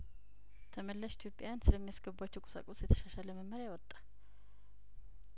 ተመላሽ ኢትዮጵያውያን ስለሚያስገቧቸው ቁሳቁስ የተሻሻለ መመሪያ ወጣ